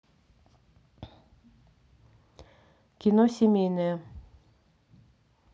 кино семейное